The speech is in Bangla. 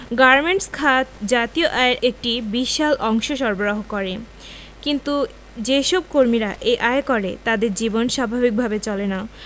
গার্মেন্টস খাত জাতীয় আয়ের একটি বিশাল অংশ সরবারহ করে কিন্তু যেসব কর্মীরা এই আয় করে তাদের জীবন স্বাভাবিক ভাবে চলে না